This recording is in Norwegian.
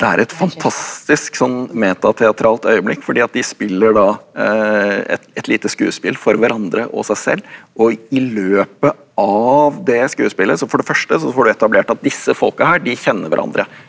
det er et fantastisk sånn metateatralt øyeblikk fordi at de spiller da et et lite skuespill for hverandre og seg selv og i løpet av det skuespillet så for det første så får du etablert at disse folka her de kjenner hverandre.